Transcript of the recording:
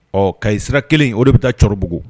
Ɔ ka ɲi sira kelen o de bɛ taa cɛkɔrɔbabugu